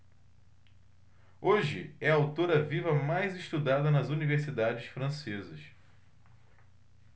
hoje é a autora viva mais estudada nas universidades francesas